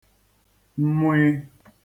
mmụị